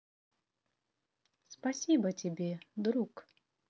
спасибо тебе друг